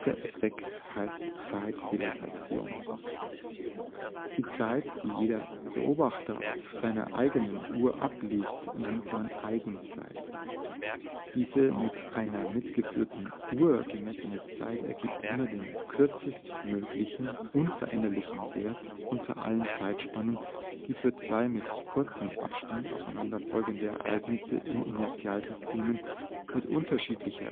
Effekt heißt Zeitdilatation. Die Zeit, die jeder Beobachter auf seiner eigenen Uhr abliest, nennt man Eigenzeit. Diese mit einer „ mitgeführten Uhr “gemessene Zeit ergibt immer den kürzestmöglichen, unveränderlichen Wert unter allen Zeitspannen, die für zwei mit kurzem Abstand aufeinander folgende Ereignisse in Inertialsystemen mit unterschiedlichen